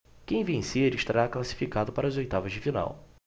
quem vencer estará classificado para as oitavas de final